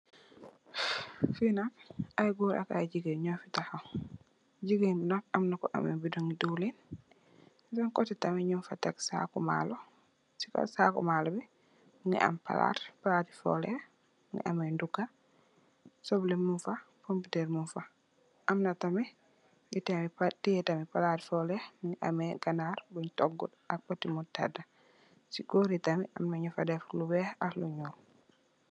Fii nak, ay góor ak ay jigéen ñu fi taxaw, jigéen bi nak, am ku amee bidongi diwliin, benen kotte tam ñung fa tek saaku maalo, si kow saaku maalo bi, mu ngi am palaat. Palaati foole, mu amee ndukka, soble mung fa, poomputeer mung fa, am na tamit, tiye kaay, palaasi foole, mu ngi amee ganaar buñg toogu ak poti murtaadë. Si boori tam mu ngi def lu ñuul ak lu weex.